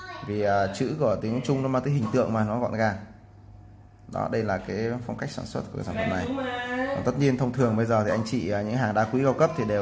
chữ của tiếng trung mang tính hình tượng và gọn gàng đây là phong cách sản xuất của sản phẩm này thông thường với những hàng đá quý cao cấp thì chất liệu vàng